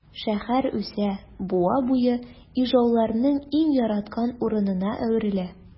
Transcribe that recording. Шәһәр үсә, буа буе ижауларның иң яраткан урынына әверелә.